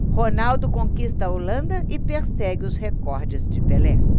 ronaldo conquista a holanda e persegue os recordes de pelé